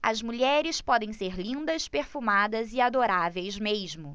as mulheres podem ser lindas perfumadas e adoráveis mesmo